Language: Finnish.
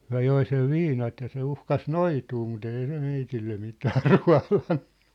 he joi sen viinat ja se uhkasi noitua mutta ei se meille mitään ruodannut